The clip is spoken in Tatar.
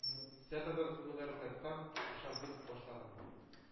Театрдан күңелләре кайткан, ышанмый башлаганнар.